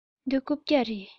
འདི རྐུབ བཀྱག རེད